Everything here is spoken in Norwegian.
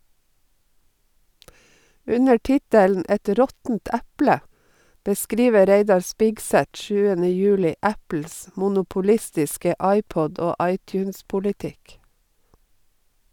Under tittelen "Et råttent eple" beskriver Reidar Spigseth 7. juli Apples monopolistiske iPod- og iTunes-politikk.